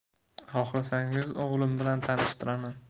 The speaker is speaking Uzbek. xoxlasangiz o'glim bilan tanishtiraman